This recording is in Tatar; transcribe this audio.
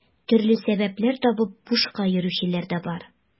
Төрле сәбәпләр табып бушка йөрүчеләр дә бар.